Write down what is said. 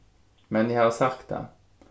men eg havi sagt tað